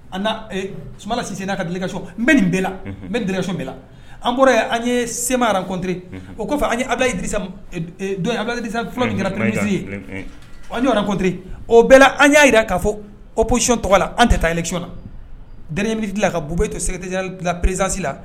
An su sisan n'a ka delika so n bɛ nin bɛ la n bɛ dresi bɛ la an kɔrɔ ye an ye semaraɔnte o kɔfɛ an alayidz filaresi ye o ɲɔgɔn kɔnt o bɛɛ an y'a jira k'a fɔ o psiɔn tɔgɔ la an tɛ taa yɛlɛcna deletililala ka b buba e to sɛtela prezsi la